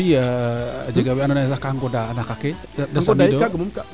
a jega waa ando naye sax ga ngoda naaka ke de samiid oyo